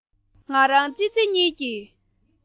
ང རང ཙི ཙི གཉིས ཀྱི